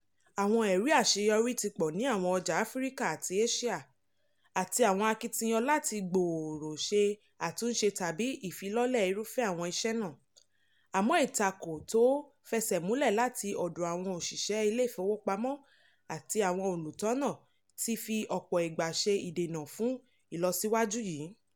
Àwọn ẹ̀rí àṣeyọrí ti pọ̀ ní àwọn ọjà Africa àti Asia, àti àwọn akitiyan láti gboòrò, ṣe àtúnṣe tàbí ìfilọ́lẹ̀ irúfẹ́ àwọn iṣẹ́ náà, àmọ́ ìtakò tó fẹsẹ̀ múlẹ̀ látí ọ̀dọ̀ àwọn òṣìṣẹ́ ílé ìfowópamọ́ àtí àwọn olùtọ̀nà ti fi ọ̀pọ̀ igbà ṣe ìdènà fún ìlọsíwájú yìí.